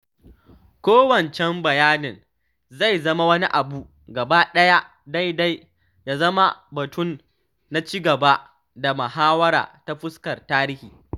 Ko wancan bayanin zai zama wani abu gaba ɗaya daidai ya zama batun na ci gaba da mahawara ta fuskar tarihi.